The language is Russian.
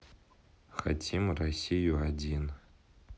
хотим россию один